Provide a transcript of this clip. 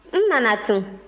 n nana tun